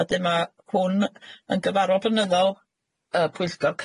A 'dyn ma' hwn yn gyfarfod blynyddol y pwyllgor